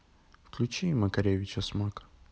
включи макаревича смак